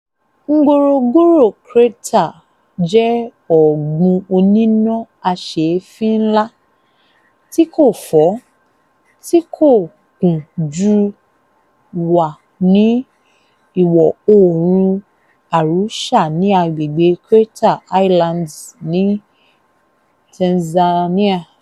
Ngorongoro Crater jẹ́ ọ̀gbùn oníná aṣèéfín ńlá, tí kò fọ́, tí kò kùn jù wà ní ìwọ̀-oòrùn Arusha ní agbègbè Crater Highlands ní Tanzania.